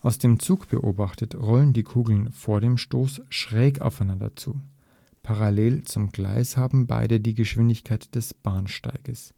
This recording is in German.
Aus dem Zug betrachtet rollen die Kugeln vor dem Stoß schräg aufeinander zu: Parallel zum Gleis haben beide die Geschwindigkeit des Bahnsteiges